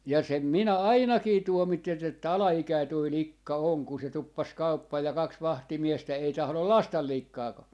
ja sen minä ainakin tuomitsen että alaikäinen tuo likka on kun se tuppasi kauppaan ja kaksi vahtimiestä ei tahdo laskea likkaa -